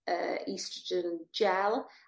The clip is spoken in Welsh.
yy oestrogen gel